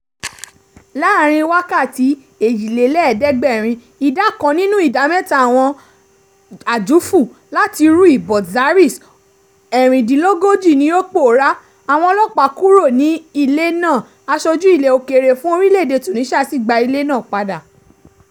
Láàárín wákàtí 72, ìdá kan nínú ìdá mẹ́ta àwọn àjúfù láti rue Botzaris 36 ni ó pòórá, àwọn ọlọ́pàá kúrò ní ilé náà aṣojú ilẹ̀ òkèèrè fún orílẹ̀ èdè (Tunisia) sì gba ilé náà padà.